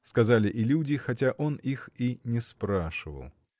— сказали и люди, хотя он их и не спрашивал.